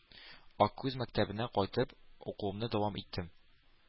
Аккүз мәктәбенә кайтып укуымны дәвам иттем...